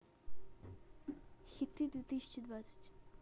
хиты две тысячи двадцать